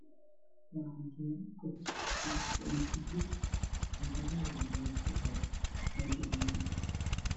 Waa canjeero ku jirto dugsi ama saxan canjaarada waa canjarada oo qalayl oo gaduudan